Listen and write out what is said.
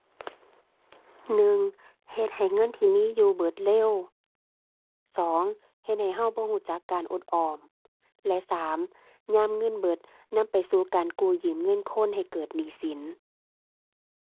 หนึ่ง เฮ็ดให้เงินที่มีอยู่เบิดเร็ว สอง เฮ็ดให้เราบ่เราจักการอดออม และสาม ยามเงินเบิดนำไปสู่การกู้ยืมเงินคนให้เกิดหนี้สิน